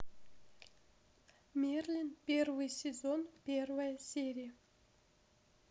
мерлин первый сезон первая серия